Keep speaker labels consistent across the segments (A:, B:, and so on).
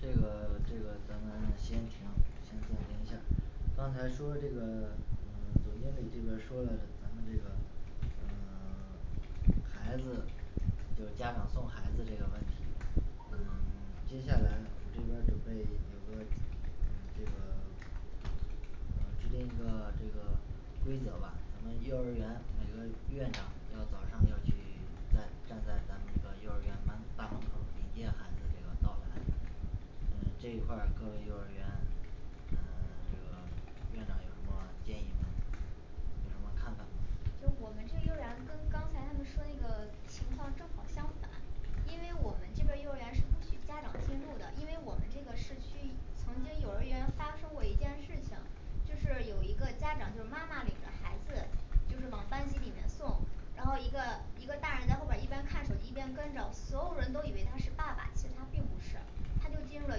A: 这个 这个咱们 先停先暂停一下刚才说这个 嗯 总经理这边儿说了咱们这个嗯 孩子就是家长送孩子这个问题嗯 接下来这边儿准备比如说嗯这个 呃制定一个这个规则吧，咱们幼儿园每个院长都要早上要去 站站在咱们这个幼儿园大大门口儿去接孩子这个到孩子嗯 这一块儿各位幼儿园嗯 这个院长有什么建议吗有什么看法吗
B: 就是我们这个幼儿园跟刚才他们说那个 情况正好相反，因为我们这边儿幼儿园是不许家长进入的，因为我们这个社区曾经幼儿园发生过一件事情就是有一个家长就是妈妈领着孩子就是往班级里面送然后一个一个大人在后边一边看手机，一边跟着，所有人都以为他是爸爸，其实他并不是他就进入了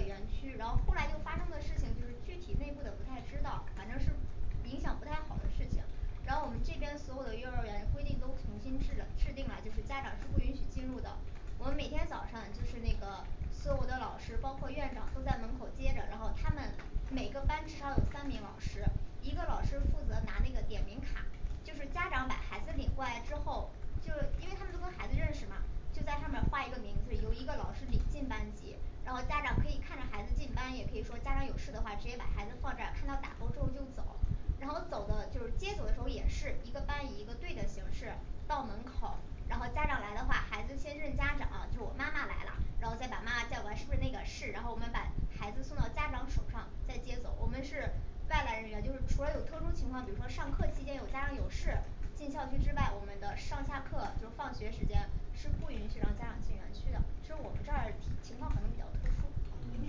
B: 园区，然后后来就发生
A: 嗯
B: 的事情，就是具体内部的不太知道，反正是影响不太好的事情，然后我们这边所有的幼儿园规定都重新制了制定了就是家长是不允许进入的。我们每天早上就是那个所有的老师包括院长都在门口接着，然后他们每个班至少有三名老师，一个老师负责拿那个点名卡，就是家长把孩子领过来之后，就是因为他们都跟孩子认识嘛就在上面画一个名字，由一个老师领进班级，然后家长可以看着孩子进班，也可以说家长有事的话直接把孩子放这儿，看到打勾之后就走然后走的就是接走的时候也是一个班以一个队的形式到门口然后家长来的话，孩子先认家长，就是我妈妈来啦然后再把妈妈叫过来是不是那个？是，然后我们把孩子送到家长手上再接走，我们是外来人员就是除了有特殊情况比如说上课期间有家长有事进校区之外，我们的上下课就是放学时间是不允许让家长进园区的，就是我们这儿挺情况可能比较
C: 啊那你们这边儿门禁制度做得
B: 特殊
A: 嗯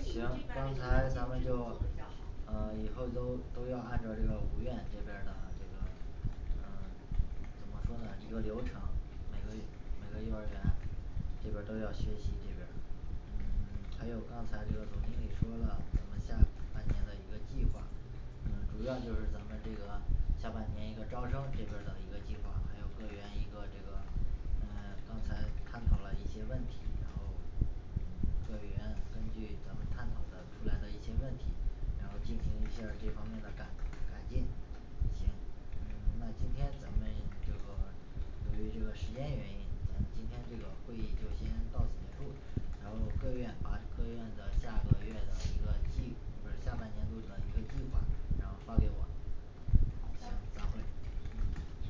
A: 行刚才咱们就
C: 比较好
A: 嗯 以后都都要按照这个五院这边儿的这个 呃怎么说呢一个流程每个每个幼儿园这边儿都要学习这边儿嗯 还有刚才这个总经理说了咱们下半年的一个计划嗯主要就是咱们这个下半年一个招生这边儿的一个计划，还有各园一个这个嗯 刚才探讨了一些问题，然后嗯 各园根据咱们探讨得出来的一些问题，然后进行一下儿这方面的改改进。行。那今天咱们就 由于这个时间原因，咱们今天这个会议就先到此结束，然后各院把各院的下个月的一个计不是下半年度的一个计划然后发给我
B: 好
A: 行散会
B: 的
C: 嗯